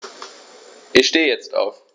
Ich stehe jetzt auf.